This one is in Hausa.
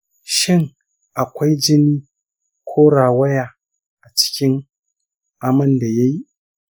shin akwai jini ko rawaya a cikin aman da yayi?